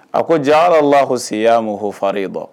A ko jaa la ko se'a mun hɔ far bɔ